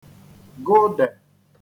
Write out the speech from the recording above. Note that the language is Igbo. gụdè